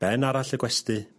Ben arall y gwesty